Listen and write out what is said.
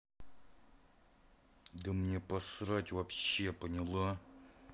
да мне посрать вообще поняла